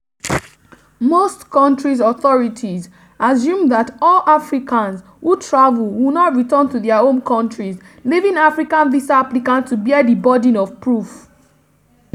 Most countries’ authorities assume that all Africans who travel will not return to their home countries, leaving African visa applicants to bear the burden of proof.